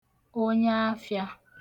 onyaafịā